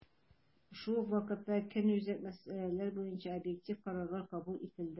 Шул ук вакытта, көнүзәк мәсьәләләр буенча объектив карарлар кабул ителде.